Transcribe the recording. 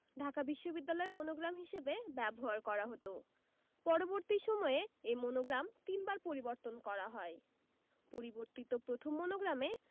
ঢাকা বিশ্ববিদ্যালয়ের মনোগ্রাম হিসেবে ব্যবহার করা হতো পরবর্তী সময়ে এ মনোগ্রাম তিনবার পরিবর্তন করা হয় পরিবর্তিত প্রথম মনোগ্রামে